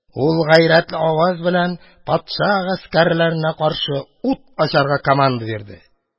Ул гайрәтле аваз белән патша гаскәрләренә каршы ут ачарга команда бирде.